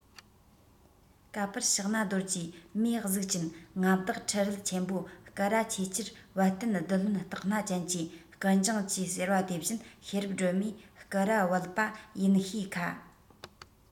ག པར ཕྱག ན རྡོ རྗེ མིའི གཟུགས ཅན མངའ བདག ཁྲི རལ ཆེན པོ སྐུ ར ཆེས ཆེར བད བསྟུན བདུད བློན སྟག སྣ ཅན གྱིས སྐུ མཇིང གཅུས ཟེར བ དེ བཞིན ཤེས རབ སྒྲོལ མས སྐུ ར བད པ ཡིན ཤས ཁ